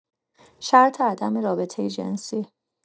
شرط عدم رابطه جنسی